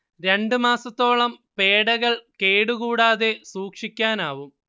രണ്ടു മാസത്തോളം പേഡകൾ കേടു കൂടാതെ സൂക്ഷിക്കാനാവും